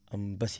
am basi